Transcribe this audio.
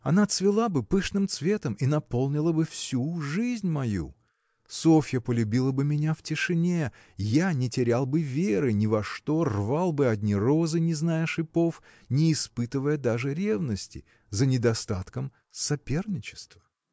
Она цвела бы пышным цветом и наполнила бы всю жизнь мою. Софья пролюбила бы меня в тишине. Я не терял бы веры ни во что рвал бы одни розы не зная шипов не испытывая даже ревности за недостатком – соперничества!